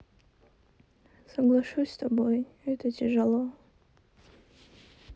соглашусь с тобой это тяжело